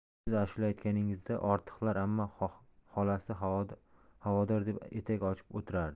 siz ashula aytganingizda ortiqlar amma xolasi havodor deb etak ochib o'tiradi